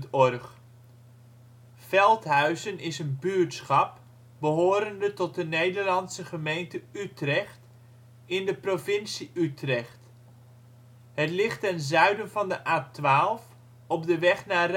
OL Veldhuizen Buurtschap in Nederland Situering Provincie Utrecht Gemeente Utrecht Coördinaten 52° 5′ NB, 5° 0′ OL Portaal Nederland Veldhuizen is een buurtschap behorende tot de Nederlandse gemeente Utrecht, in de provincie Utrecht. Het ligt ten zuiden van de A12 op de weg naar